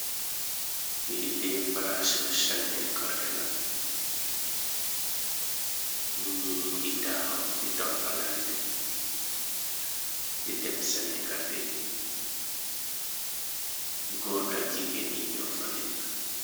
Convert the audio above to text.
Fi de palasio sanne karte la ñi ñi ñu ngitaaw di toppa lante di dem sanne karte gi góor ak jige ni ñoo fa nekk.